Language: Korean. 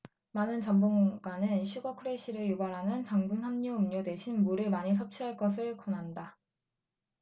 많은 전문가는 슈거 크래시를 유발하는 당분 함유 음료 대신 물을 많이 섭취할 것을 권한다